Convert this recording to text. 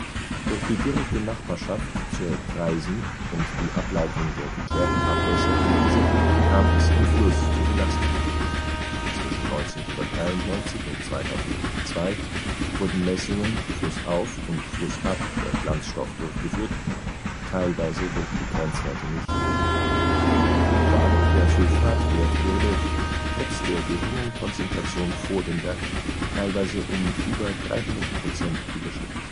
Durch die direkte Nachbarschaft zur Traisen und die Ableitung der geklärten Abwässer in diese kam es im Fluss zu Belastungen. Zwischen 1993 und 2002 wurden Messungen flussauf und flussab der Glanzstoff durchgeführt, teilweise wurden die Grenzwerte nicht eingehalten. Vor allem der Sulfatwert wurde, trotz der geringen Konzentration vor dem Werk, teilweise um über 300 % überschritten